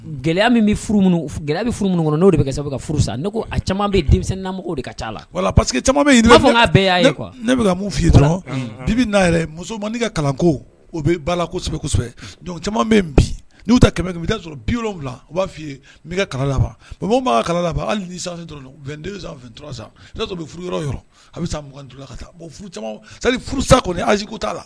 Gɛlɛya min gɛlɛya bɛ furu kɔnɔ n' de bɛ furu ne ko caman bɛmɔgɔ de ka la parce que ne bɛka mun f' dɔrɔn bibi muso man ka kalanko o bɛ balasɛbɛsɛbɛ bi n bɛ taa sɔrɔ bi u b'a fi kala laban kalala hali furu kɔni ayi t'a la